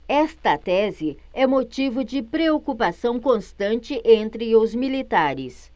esta tese é motivo de preocupação constante entre os militares